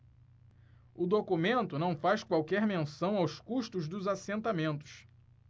o documento não faz qualquer menção aos custos dos assentamentos